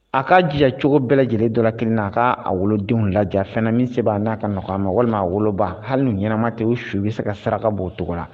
A k'a diya cogo bɛɛ lajɛlen dɔ kelen n' a k kaa a wolodenw lajɛ fɛn min se b' n'a ka nɔgɔ ma walima maa a woloba hali u ɲɛnama te su u bɛ se ka saraka bon o cogo la